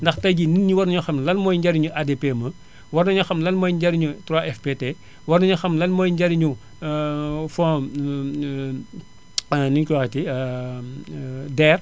ndax tey jii nit éni ñi war na ñoo xam lan mooy njëriénu ADPME war nañoo xam lan mooy njëriñu 3FPT war nañoo xam lan mooy njariñu fonds nu ñu koy waxatee DER